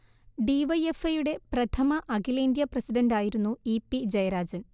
D Y F I യുടെ പ്രഥമ അഖിലേന്ത്യാ പ്രസിഡണ്ട് ആയിരുന്നു ഇ പി ജയരാജൻ